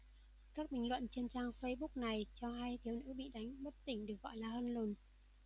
các bình luận trên trang facebook này cho hay thiếu nữ bị đánh bất tỉnh được gọi là hân lùn